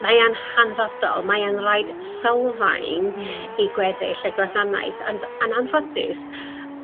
Mae yn hanfodol mae yn roid sylfaen i gweddill y gwasanaeth ond yn anffodus